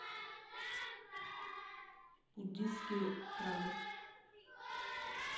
буддистские храмы